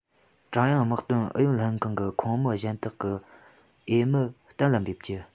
ཀྲུང དབྱང དམག དོན ཨུ ཡོན ལྷན ཁང གི ཁོངས མི གཞན དག གི འོས མི གཏན ལ འབེབས རྒྱུ